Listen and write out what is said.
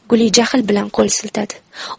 guli jahl bilan qo'l siltadi